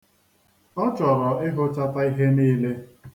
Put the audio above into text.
Ọ chọrọ ịhụchata ihe niile.